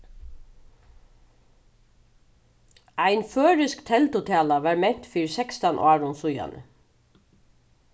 ein føroysk teldutala varð ment fyri sekstan árum síðani